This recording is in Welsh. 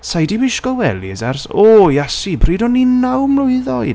Sa i 'di wisgo wellies, ers, o, Iesu, pryd o'n i naw mlwydd oed.